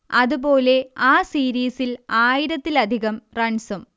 അതുപോലെ ആ സീരീസിൽ ആയിരത്തിലധികം റൺസും